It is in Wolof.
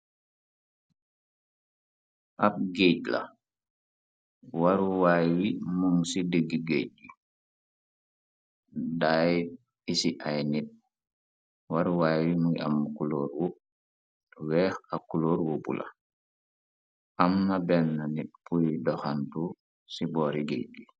Ab géej la waruwaay wi mun ci diggi géej yi daay isi ay nit waruwaay wi muy am kuloor wu weex ak kuloor wubu la amna benn nit buy doxantu ci boori géej yi.